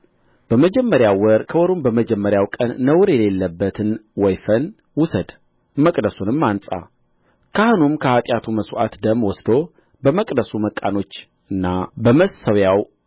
በመጀመሪያው ወር ከወሩም በመጀመሪያው ቀን ነውር የሌለበትን ወይፈን ውሰድ መቅደሱንም አንጻ ካህኑም ከኃጢአቱ መሥዋዕት ደም ወስዶ በመቅደሱ መቃኖችና በመሠዊያው